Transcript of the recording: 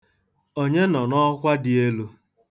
Onye nọ n'ọkwa dị elu?